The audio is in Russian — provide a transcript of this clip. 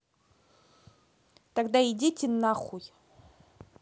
тогда идите нахуй